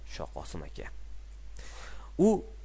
shoqosim aka